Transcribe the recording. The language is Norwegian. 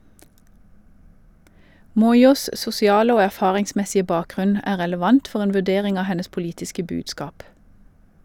Moyos sosiale og erfaringsmessige bakgrunn er relevant for en vurdering av hennes politiske budskap.